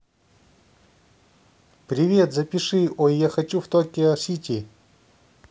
привет запиши ой я хочу в токио сити